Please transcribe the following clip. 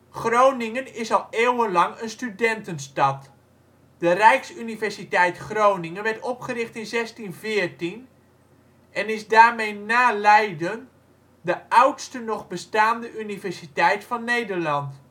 Groningen is al eeuwenlang een studentenstad. De Rijksuniversiteit Groningen werd opgericht in 1614, en is daarmee na Leiden de oudste nog bestaande universiteit van Nederland